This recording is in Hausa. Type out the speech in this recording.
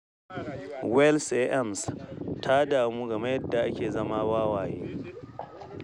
Welsh AMs ta damu game da 'yadda ake zama kamar wawaye'